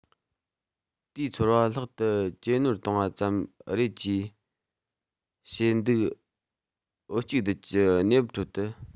དེའི ཚོར བ ལྷག ཏུ ཇེ རྣོར བཏང བ ཙམ རེད ཅེས བཞེད འདུག འོད གཅིག སྡུད ཀྱི གནས བབ ཁྲོད དུ